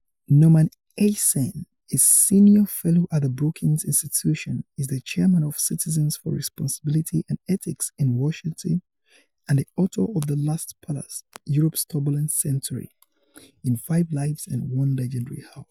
Norman Eisen, a senior fellow at the Brookings Institution, is the chairman of Citizens for Responsibility and Ethics in Washington and the author of "The Last Palace: Europe's Turbulent Century in Five Lives and One Legendary House."